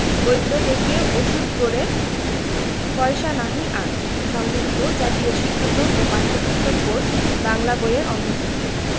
বৈদ্য ডেকে ওষুধ করে পয়সা নাহি আর সংগৃহীত জাতীয় শিক্ষাক্রম ও পাঠ্যপুস্তক বোর্ড বাংলা বই এর অন্তর্ভুক্ত